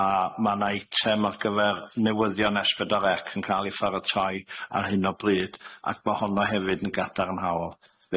a ma' na item ar gyfer newyddion Ess pedwa Ec yn ca'l ei pharatoi ar hyn o bryd ac ma' honno hefyd yn gadarnhaol.